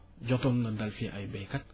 jotoon na dal fii ay baykat